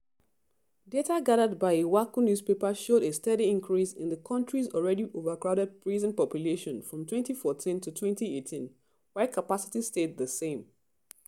Data gathered by Iwacu newspaper showed a steady increase in the country's already overcrowded prison population from 2014 to 2018, while capacity stayed the same.